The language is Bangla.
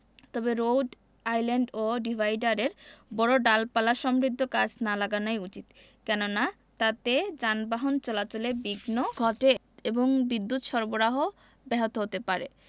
তবে রোড আইল্যান্ড ও ডিভাইডারে বড় ডালপালাসমৃদ্ধ গাছ না লাগানোই উচিত কেননা তাতে যানবাহন চলাচলে বিঘ্ন ঘটে এবং বিদ্যুত সরবরাহ ব্যাহত হতে পারে